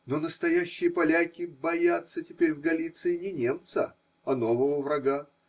Но настоящие поляки боятся теперь в Галиции не немца, а нового врага.